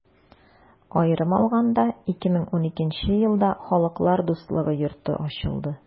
Аерым алаганда, 2012 нче елда Халыклар дуслыгы йорты ачылды.